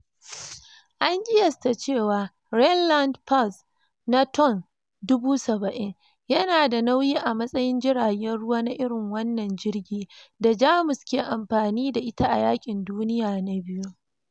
An kiyasta cewa "Rheinland-Pfalz" na ton 7,000 "yana da nauyi a matsayin jiragen ruwa na irin wannan jirgi da Jamus ke amfani da ita a yakin duniya na biyu.